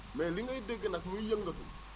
mais li ngay dégg nag muy yëngatu